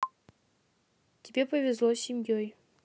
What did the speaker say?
тебе повезло с семьей